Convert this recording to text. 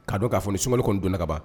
Ka dɔn k'a fɔ ni sun kalo kɔni donna kaban.